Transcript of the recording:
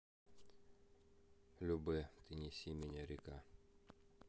любэ ты неси меня река